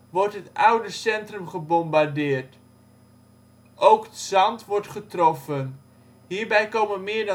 wordt het oude centrum gebombardeerd. Ook ' t Zand wordt getroffen. Hierbij komen meer